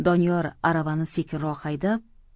doniyor aravani sekinroq haydab